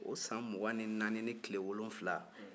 o san mugan ni naani ni tile wolonfila